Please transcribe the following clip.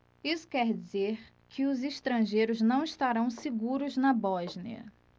isso quer dizer que os estrangeiros não estarão seguros na bósnia